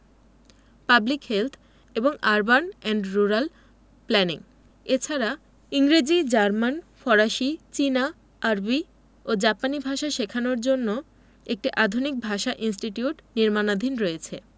public health এবং urban and rural planning এছাড়া ইংরেজি জার্মান ফরাসি চীনা আরবি ও জাপানি ভাষা শেখানোর জন্য একটি আধুনিক ভাষা ইনস্টিটিউট নির্মাণাধীন রয়েছে